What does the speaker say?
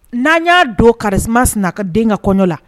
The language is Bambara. N'an y'a don karisa sina ka den ka kɔɲɔ la